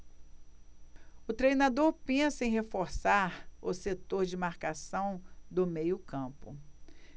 o treinador pensa em reforçar o setor de marcação do meio campo